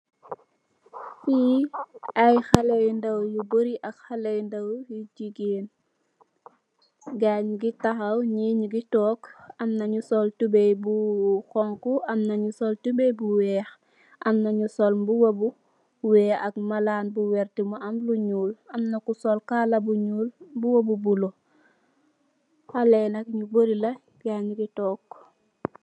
Fi ay xale yu ndaw yu bori ak xale yu ndaw jigeen gaay nyugi taxaw nee ñungi tog amna nyu sol tubai bu xonxu amna nu sol tubai bu weex amna nyu sol mbuba bu weex ak malan bu werta mu am lu nuul amna ki sol kala bu nuul mhuba bu bulo xale nak nyu bari la gaay nyugi tog.